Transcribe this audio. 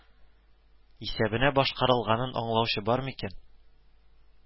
Исәбенә башкарылганын аңлаучы бар микән